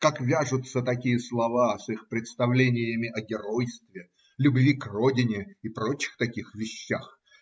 Как вяжутся такие слова с их представлениями о геройстве, любви к родине и прочих таких вещах?